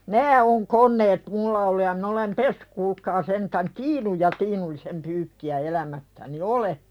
nämä on koneet minulla ollut ja minä olen pessyt kuulkaa sentään tiinun ja tiinullisen pyykkiä elämässäni olen